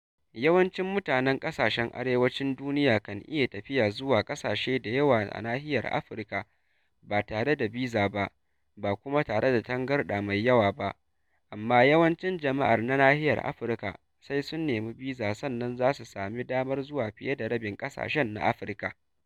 Yawancin mutanen ƙasashen arewacin duniya kan iya tafiya zuwa ƙasashe da yawa a nahiyar Afirka ba tare da biza ba, ba kuma tare da tangarɗa mai yawa ba, amma yawancin jama'ar na nahiyar Afirka sai sun nemi biza sannan za su sami damar zuwa fiye da rabin ƙasashen na Afirka.